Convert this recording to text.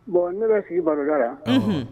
Bon ne bɛ sigi baroda la